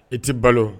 I t tɛi balo